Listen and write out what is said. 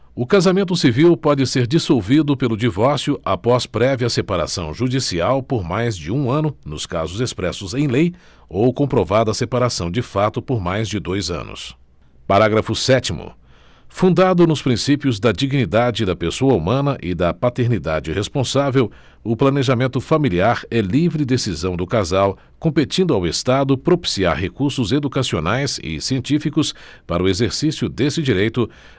o casamento civil pode ser dissolvido pelo divórcio após prévia separação judicial por mais de um ano nos casos expressos em lei ou comprovada separação de fato por mais de dois anos parágrafo sétimo fundado nos princípios da dignidade da pessoa humana e da paternidade responsável o planejamento familiar é livre decisão do casal competindo ao estado propiciar recursos educacionais e científicos para o exercício desse direito